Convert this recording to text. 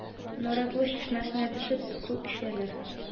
Наратлы чишмәсенә төшеп су эчәләр.